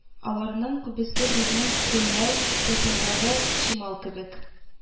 Аларның күбесе безнең көлләү цехындагы чимал кебек